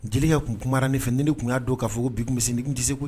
Jeliya kun kuma ne fɛ ni tun y'a don k'a fɔ biumumisɛn tɛse